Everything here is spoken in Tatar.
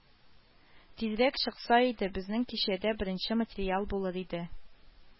Тизрәк чыкса иде, безнең кичәдә беренче материал булыр иде